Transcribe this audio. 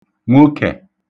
nwok̇ẹ̀